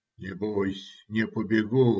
- Не бойся, не побегу.